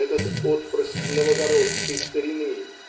этот отпрыск новгородской старины